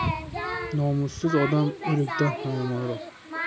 nomusiz odam o'likdan ham yomonroqdir